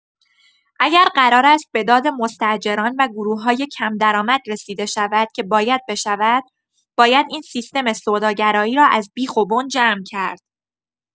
اگر قرار است به داد مستاجران و گروه‌های کم‌درآمد رسیده شود که باید بشود، باید این سیستم سوداگرایی را از بیخ و بن جمع کرد.